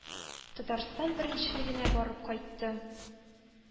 Татарстан беренчелегенә барып кайтты.